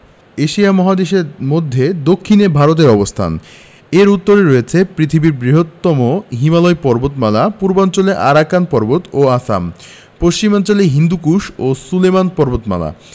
Asia মহাদেশের মদ্ধ্য দক্ষিনে ভারতের অবস্থান এর উত্তরে রয়েছে পৃথিবীর বৃহত্তম হিমালয় পর্বতমালা পূর্বাঞ্চলে আরাকান পর্বত ও আসামপশ্চিমাঞ্চলে হিন্দুকুশ ও সুলেমান পর্বতমালা